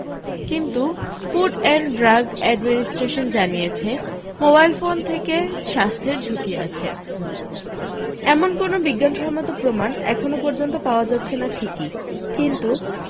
কিন্তু food and drug administration জানিয়েছে mobile phone থেকে স্বাস্থ্যের ঝুঁকি আছে এমন কোনও বিজ্ঞানসমমত প্রমাণ এখনও পর্যন্ত পাওয়া যাচ্ছে না ঠিকি কিন্তু